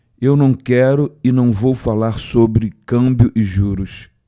eu não quero e não vou falar sobre câmbio e juros